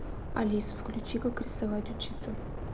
алис включи как рисовать учиться